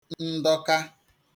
ndọka